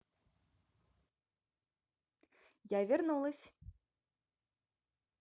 я вернулась